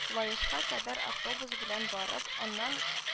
Лаешка кәдәр автобус белән барып, аннан